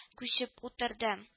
Күчеп утырды